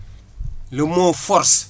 le mot force